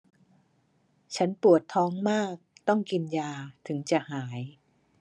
ฉันปวดท้องมากต้องกินยาถึงจะหาย